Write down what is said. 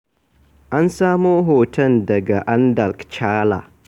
An samu hoto daga Endalk Chala.